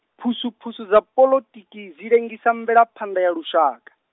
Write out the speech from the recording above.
phusuphusu dza poḽotiki, dzi lengisa mvelaphanḓa ya lushaka.